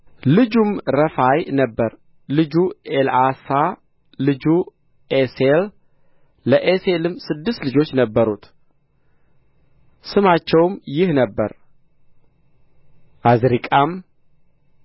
ልጁም ረፋያ ነበረ ልጁ ኤልዓሣ ልጁ ኤሴል ለኤሴልም ስድስት ልጆች ነበሩት ስማቸውም ይህ ነበረ ዓዝሪቃም